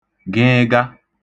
ġịịga